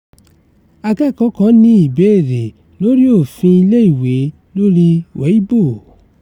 Akẹ́kọ̀ọ́ kan ní ìbéèrè lórí òfin ilé-ìwé lórí Weibo: